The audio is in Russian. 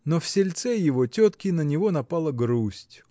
но в сельце его тетки на него напала грусть